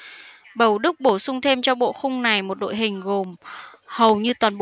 bầu đức bổ sung thêm cho bộ khung này một đội hình gồm hầu như toàn